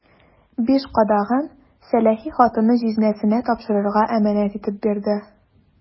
Биш кадагын сәләхи хатыны җизнәсенә тапшырырга әманәт итеп бирде.